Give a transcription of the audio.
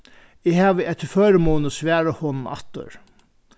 eg havi eftir førimuni svarað honum aftur